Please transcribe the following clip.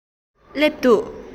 སླེབས འདུག